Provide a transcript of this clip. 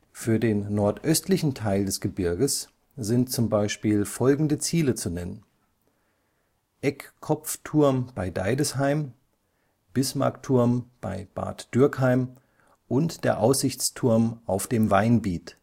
Für den nordöstlichen Teil des Gebirges sind z. B. folgende Ziele zu nennen: Eckkopfturm (bei Deidesheim), Bismarckturm (bei Bad Dürkheim) und der Aussichtsturm auf dem Weinbiet